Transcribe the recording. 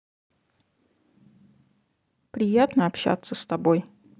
приятно общаться с тобой